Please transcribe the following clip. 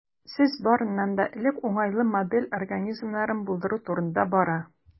Сүз, барыннан да элек, уңайлы модель организмнарын булдыру турында бара.